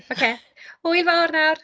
Ocê, hwyl fawr nawr.